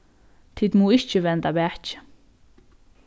tit mugu ikki venda bakið